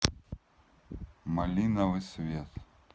малиновый свет